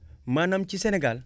maanaam ci Sénégal